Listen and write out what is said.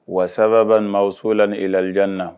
Wa saban mawsulan ilal jannati la e lalidni navv